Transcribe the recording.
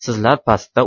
sizlar pastda